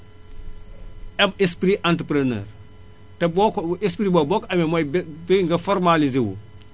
am esprit entrepreneur te boo ko esprit boobu boo ko amee mooy de nga formaaliizewu